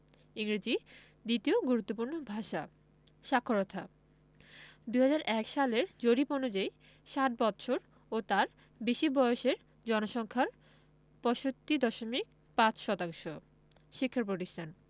ইংরেজি দ্বিতীয় গুরুত্বপূর্ণ ভাষা সাক্ষরতাঃ ২০০১ সালের জরিপ অনুযায়ী সাত বৎসর ও তার বেশি বয়সের জনসংখ্যার ৬৫.৫ শতাংশ শিক্ষাপ্রতিষ্ঠানঃ